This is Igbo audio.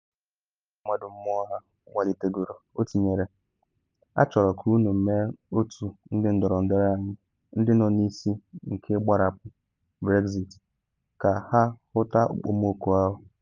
N’ozi maka igwe mmadụ mmụọ ha gbalitegoro o tinyere: ‘Achọrọ ka unu mee otu ndị ndọrọndọrọ anyị, ndị nọ n’isi nke ịgbarapụ Brexit, ka ha hụta okpomọkụ ahụ.